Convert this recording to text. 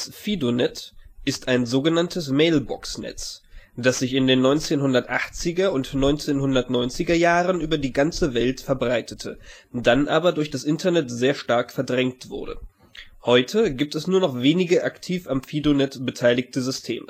FidoNet ist ein sogenanntes Mailboxnetz, das sich in den 1980er und 1990er Jahren über die ganze Welt verbreitete, dann aber durch das Internet sehr stark verdrängt wurde. Heute gibt es nur noch wenige aktiv am FidoNet beteiligte Systeme